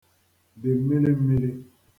dị mmili mmili